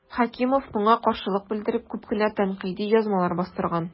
Хәкимов моңа каршылык белдереп күп кенә тәнкыйди язмалар бастырган.